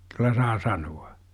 kyllä saa sanoa